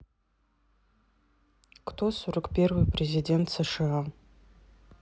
кто сорок первый президент сша